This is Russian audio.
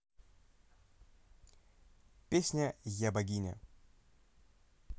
песня я богиня